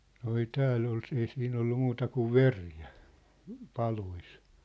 no ei täällä ole ei siinä ollut muuta kuin veräjä paloissa